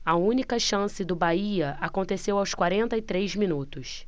a única chance do bahia aconteceu aos quarenta e três minutos